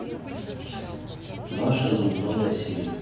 маша зум новые серии